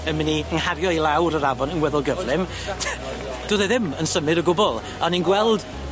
yn myn' i 'yng nghario i lawr yr afon yn weddol gyflym do'dd e ddim yn symud o gwbl, a o'n i'n gweld